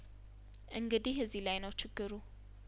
እንግዲህ እዚህ ላይ ነው ችግሩ